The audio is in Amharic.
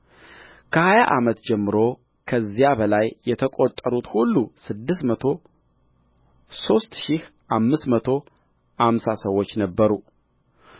ከሀያ ዓመት ጀምሮ ከዚያም በላይ የተቈጠሩት ሁሉ ስድስት መቶ ሦስት ሺህ አምስት መቶ አምሳ ሰዎች ነበሩ